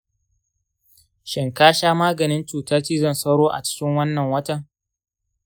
shin ka sha maganin cutar cizon sauro a cikin wannan watan?